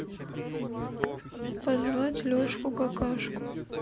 позвать лешку какашку